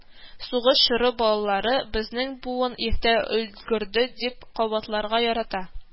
Сугыш чоры балалары, “безнең буын иртә өлгерде”, дип кабатларга ярата